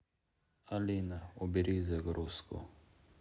алина убери загрузку